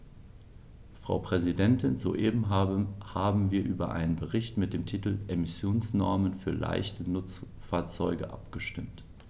Frau Präsidentin, soeben haben wir über einen Bericht mit dem Titel "Emissionsnormen für leichte Nutzfahrzeuge" abgestimmt.